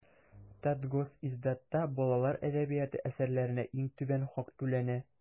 Татгосиздатта балалар әдәбияты әсәрләренә иң түбән хак түләнә.